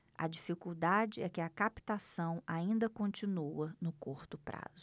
a dificuldade é que a captação ainda continua no curto prazo